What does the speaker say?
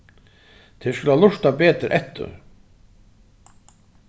tær skulu lurta betur eftir